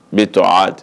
N bɛ to wa